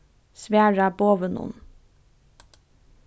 svara boðunum